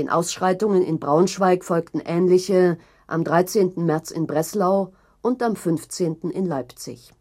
Ausschreitungen in Braunschweig folgten ähnliche am 13. März in Breslau und am 15. in Leipzig